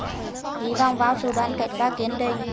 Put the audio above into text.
hy vọng vào sự đoàn kết và kiên định